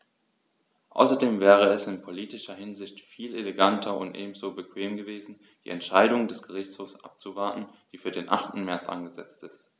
Außerdem wäre es in politischer Hinsicht viel eleganter und ebenso bequem gewesen, die Entscheidung des Gerichtshofs abzuwarten, die für den 8. März angesetzt ist.